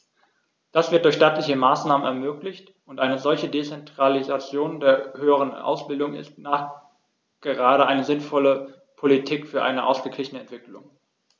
Das wird durch staatliche Maßnahmen ermöglicht, und eine solche Dezentralisation der höheren Ausbildung ist nachgerade eine sinnvolle Politik für eine ausgeglichene Entwicklung.